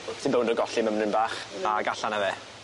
Ti'n bownd o golli mymryn bach ag allan â fe.